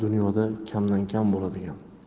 dunyoda kamdan kam bo'ladigan